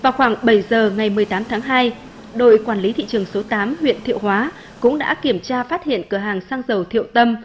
vào khoảng bảy giờ ngày mười tám tháng hai đội quản lý thị trường số tám huyện thiệu hóa cũng đã kiểm tra phát hiện cửa hàng xăng dầu thiệu tâm